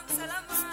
Kɛlɛ